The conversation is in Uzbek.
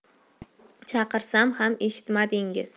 chaqirsam ham eshitmadingiz